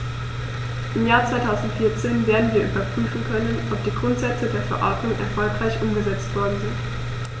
Im Jahr 2014 werden wir überprüfen können, ob die Grundsätze der Verordnung erfolgreich umgesetzt worden sind.